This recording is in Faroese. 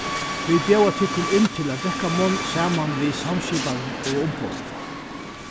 vit bjóða tykkum inn til ein drekkamunn saman við samskiparum og umboðum